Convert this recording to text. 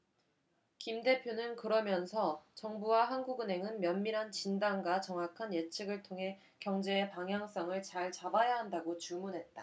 김 대표는 그러면서 정부와 한국은행은 면밀한 진단과 정확한 예측을 통해 경제의 방향성을 잘 잡아야 한다고 주문했다